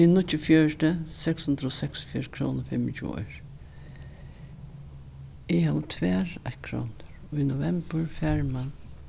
er níggjuogfjøruti seks hundrað og seksogfjøruti krónur og fimmogtjúgu oyru eg havi tvær eittkrónur í novembur fær mann